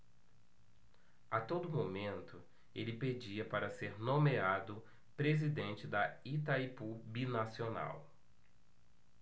a todo momento ele pedia para ser nomeado presidente de itaipu binacional